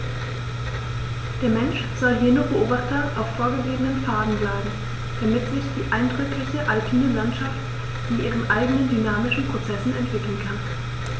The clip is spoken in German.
Der Mensch soll hier nur Beobachter auf vorgegebenen Pfaden bleiben, damit sich die eindrückliche alpine Landschaft in ihren eigenen dynamischen Prozessen entwickeln kann.